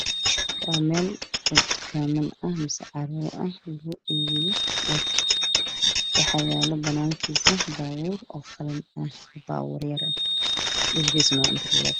Waa meel tukaan ah ama carwo ah oo lugu iibiyo dhar waxaa yaalo banaankiisa baabuur oo qalin ah oo yar, dhulkiisu waa intarloog.